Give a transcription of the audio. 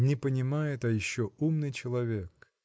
– Не понимаешь, а еще умный человек!